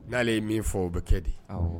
N'ale ye min fɔ o bɛ kɛ de